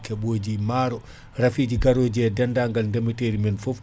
keɓooji maaro rafiiji gaaroji e dendagal e ndemateeri meen fof